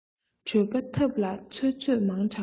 གྲོད པ ཐབ ལ ཚོད ཚོད མང དྲགས ན